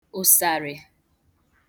ụ̀sàrị̀